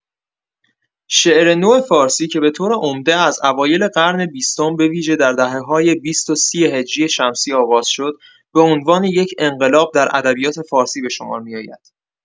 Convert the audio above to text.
شعر نو فارسی، که به‌طور عمده از اوایل قرن بیستم به‌ویژه در دهه‌های ۲۰ و ۳۰ هجری شمسی آغاز شد، به‌عنوان یک انقلاب در ادبیات فارسی به شمار می‌آید.